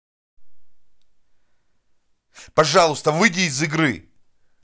пожалуйста выйди из игры